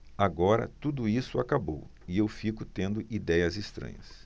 agora tudo isso acabou e eu fico tendo idéias estranhas